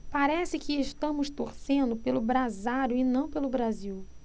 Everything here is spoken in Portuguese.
parece que estamos torcendo pelo brasário e não pelo brasil